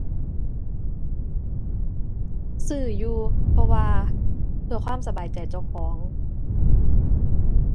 ซื้ออยู่ เพราะว่าเพื่อความสบายใจเจ้าของ